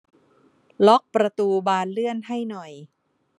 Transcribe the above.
ล็อกประตูบานเลื่อนให้หน่อย